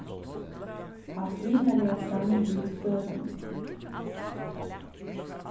halt vinarliga fram við søguni